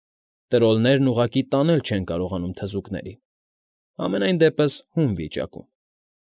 Տրոլներն ուղղակի տանել չեն կարողանում թզուկներին (համենայն դեպս հում վիճակում)։